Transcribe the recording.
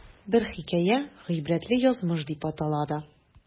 Бер хикәя "Гыйбрәтле язмыш" дип атала да.